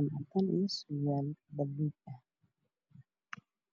aa gacanta ugu